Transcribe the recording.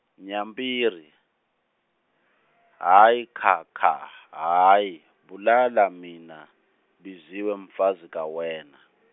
Nyampiri, Hayi kha kha, hhayi, bulala mina, biziwe mfazi, kawena .